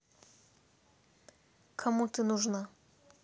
нахуй ты нужна